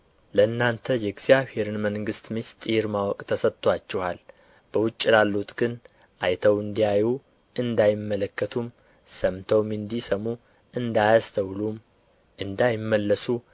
ለእናንተ የእግዚአብሔርን መንግሥት ምሥጢር ማወቅ ተሰጥቶአችኋል በውጭ ላሉት ግን አይተው እንዲያዩ እንዳይመለከቱም ሰምተውም እንዲሰሙ እንዳያስተውሉም እንዳይመለሱ